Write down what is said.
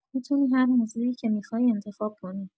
می‌تونی هر موضوعی که می‌خوای انتخاب کنی.